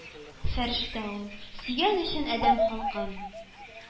Фәрештә ул; сөйгән өчен адәм халкын,